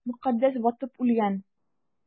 Мөкаддәс батып үлгән!